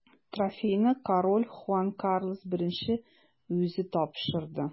Трофейны король Хуан Карлос I үзе тапшырды.